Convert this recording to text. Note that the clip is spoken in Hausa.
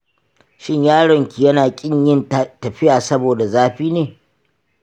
shin yaron ki yana ƙin yin tafiya saboda zafi ne?